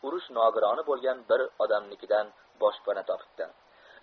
urush nogironi bo'lgan bir odamnikidan boshpana topibdi